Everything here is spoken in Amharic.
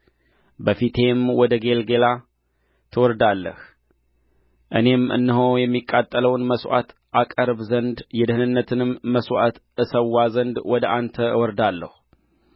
በፊቴም ወደ ጌልገላ ትወርዳለህ እኔም እነሆ የሚቃጠለውን መሥዋዕት አቀርብ ዘንድ የደኅንነትም መሥዋዕት እሠዋ ዘንድ ወደ አንተ እወርዳለሁ